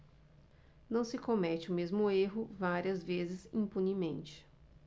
não se comete o mesmo erro várias vezes impunemente